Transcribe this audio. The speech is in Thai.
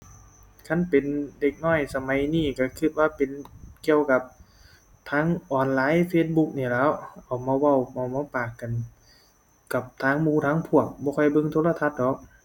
คันเป็นเด็กน้อยสมัยนี้ก็ก็ว่าเป็นเกี่ยวกับทางออนไลน์ Facebook นี่แหล้ว เอามาเว้า เอามาปากกัน กับทางหมู่ทางพวก บ่ค่อยเบิ่งโทรทัศน์ดอก